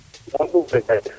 *